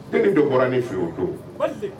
Denni dɔ bɔra ne fe yen o don baalik